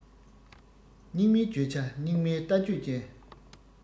སྙིགས མའི བརྗོད བྱ སྙིགས མའི ལྟ སྤྱོད ཅན